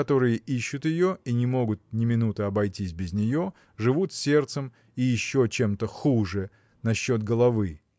которые ищут ее и не могут ни минуты обойтись без нее – живут сердцем и еще чем-то хуже на счет головы.